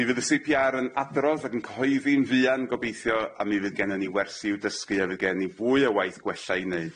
Mi fydd y See Pee Are yn adrodd ac yn cyhoeddi'n fuan gobeithio a mi fydd gennon ni wersi i'w dysgu a mi gen ni fwy o waith gwella i neud.